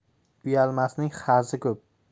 uyalmasning hazi ko'p